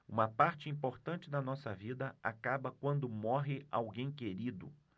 uma parte importante da nossa vida acaba quando morre alguém querido